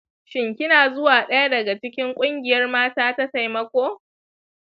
shin kina zuwa ɗaya daga cikin ƙungiyar mata ta taimako?